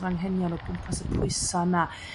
yr anghenion o gwmpas y pwysa' 'na.